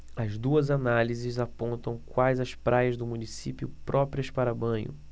as duas análises apontam quais as praias do município próprias para banho